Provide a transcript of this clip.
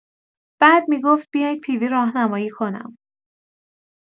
بعد می‌گفت بیاید پی‌وی راهنمایی کنم.